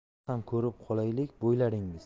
biz ham ko'rib qolaylik bo'ylaringiz